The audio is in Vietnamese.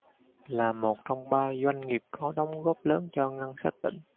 là một trong ba doanh nghiệp có đóng góp lớn cho ngân sách tỉnh